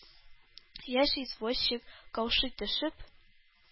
Яшь извозчик, каушый төшеп,